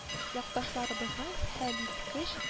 Якташларыбызның һәлиткеч